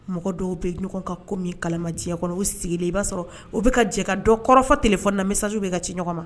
Mɔgɔ dɔw tɛ ɲɔgɔn kan ko min kalama diyɛn kɔnɔ u sigilen i b'a sɔrɔ u bɛ ka jɛ ka dɔ kɔrɔfɔ téléphone na message bɛ ka ci ɲɔgɔn ma.